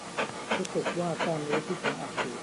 รู้สึกว่ากล้ามเนื้อที่ขาอักเสบ